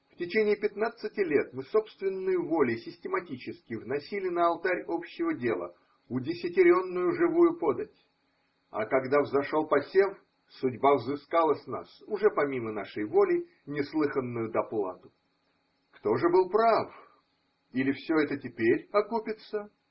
В течение пятнадцати лет мы собственною волей систематически вносили на алтарь общего дела удесятеренную живую подать, а когда взошел посев, судьба взыскала с нас уже помимо нашей воли неслыханную доплату. Кто же был прав? Или все это теперь окупится?